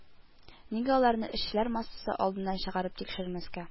Нигә аларны эшчеләр массасы алдына чыгарып тикшермәскә